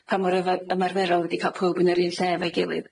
pa mor yfa- ymarferol wedi ca'l powb yn yr un lle 'fo'i gilydd.